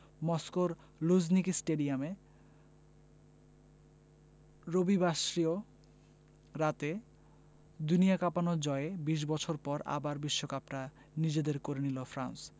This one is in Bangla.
মস্কোর লুঝনিকি স্টেডিয়ামে রবিবাসরীয় রাতে দুনিয়া কাঁপানো জয়ে ২০ বছর পর আবার বিশ্বকাপটা নিজেদের করে নিল ফ্রান্স